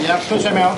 Ia arllwys o'i fewn..